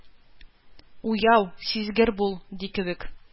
Уяу, сизгер бул...” – ди кебек.